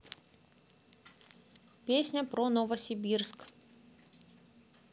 песня про новосибирск